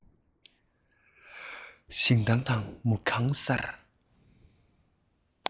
ཞིང ཐང དང མུ གང སར